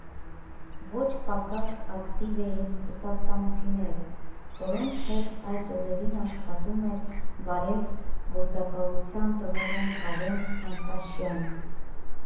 Ոչ պակաս ակտիվ էին ռուսաստանցիները, որոնց հետ այդ օրերին աշխատում էր «Բարև» գործակալության տնօրեն Կարեն Անտաշյանը։